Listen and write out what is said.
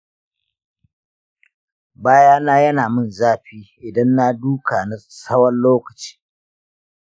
bayana yana min zafi idan na duka na sawon lokaci